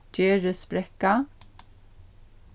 gerðisbrekka